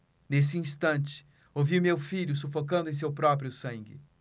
nesse instante ouvi meu filho sufocando em seu próprio sangue